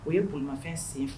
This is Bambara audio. O ye kunɲɔgɔnfɛn sen